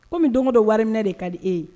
comme don o don wari minɛ de ka di e ye.